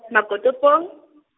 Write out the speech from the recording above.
Makotopong.